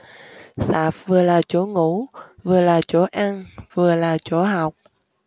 sạp vừa là chỗ ngủ vừa là chỗ ăn vừa là chỗ học